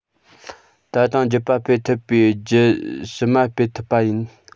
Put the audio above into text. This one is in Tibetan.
ད དུང རྒྱུད པ སྤེལ ཐུབ པའི རྒྱུད ཕྱི མ སྤེལ ཐུབ པ ཡིན